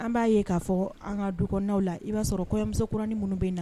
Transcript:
An b'a ye k'a fɔ an ka duw la i b'a sɔrɔ kɔmusokuranin minnu bɛ na